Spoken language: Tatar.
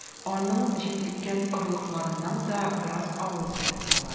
Аның җитлеккән орлыкларыннан да бераз авыз итеп ала.